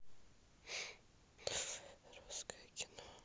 новое русское кино